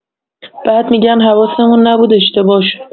بعد می‌گن حواسمون نبود اشتباه شد